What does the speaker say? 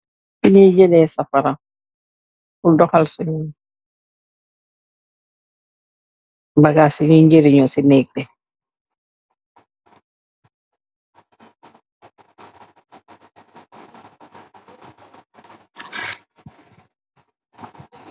Fi nyu jeleeh safara pul dohala sung bagass yun njeriyo si neeg bi.